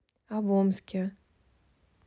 а в омске